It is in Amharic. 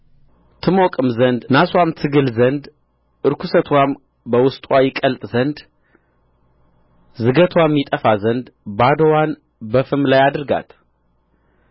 ትሞቅም ዘንድ ናስዋም ትግል ዘንድ ርኵሰትዋም በውስጥዋ ይቀልጥ ዘንድ ዝገትዋም ይጠፋ ዘንድ ባዶዋን በፍም ላይ አድርጋት